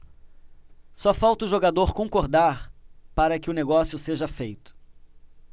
só falta o jogador concordar para que o negócio seja feito